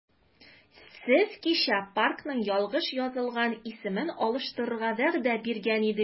Сез кичә паркның ялгыш язылган исемен алыштырырга вәгъдә биргән идегез.